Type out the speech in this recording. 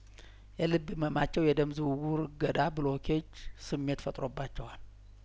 የልብ ህመማቸው የደም ዝውውር እገዳ ብሎኬጅ ስሜት ፈጥሮባቸዋል